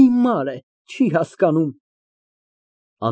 Հիմար է, չի հասկանում։